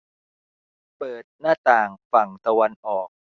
เปิดหน้าต่างฝั่งตะวันออก